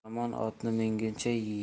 yomon otni minguncha